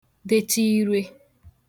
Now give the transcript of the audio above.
dètụ ire